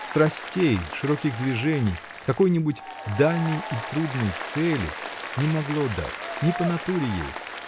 Страстей, широких движений, какой-нибудь дальней и трудной цели — не могло дать: не по натуре ей!